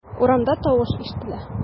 Урамда тавыш ишетелә.